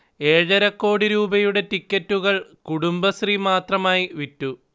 ഏഴരക്കോടി രൂപയുടെ ടിക്കറ്റുകൾ കുടുംബശ്രീ മാത്രമായി വിറ്റു